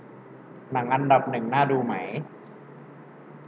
หนังอันดับหนึ่งน่าดูไหม